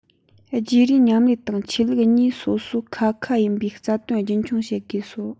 བརྗེ རེས མཉམ ལས དང ཆོས ལུགས གཉིས སོ སོ ཁ ཁ ཡིན པའི རྩ དོན རྒྱུན འཁྱོངས བྱེད དགོས སོ